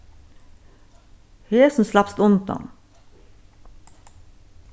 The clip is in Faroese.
hesum slapst undan